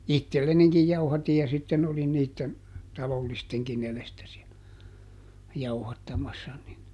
itsellenikin jauhatin ja sitten olin niiden talollistenkin edestä siellä jauhattamassa niin